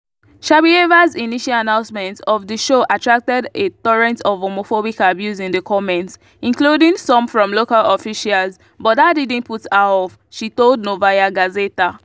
Shabuyeva’s initial announcement of the show attracted a torrent of homophobic abuse in the comments, including some from local officials, but that didn’t put her off, she told Novaya Gazeta.